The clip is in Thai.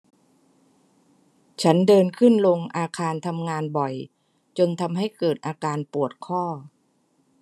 ฉันเดินขึ้นลงอาคารทำงานบ่อยจนทำให้เกิดอาการปวดข้อ